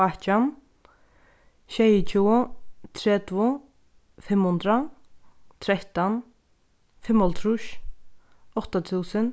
átjan sjeyogtjúgu tretivu fimm hundrað trettan fimmoghálvtrýss átta túsund